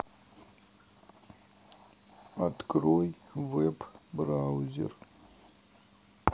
открой веб браузер